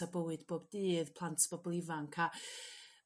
a bywyd bob dydd plant bobol ifanc a